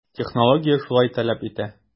Технология шулай таләп итә.